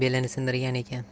belini sindirgan ekan